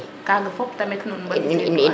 kaga fop tamit nuun mbay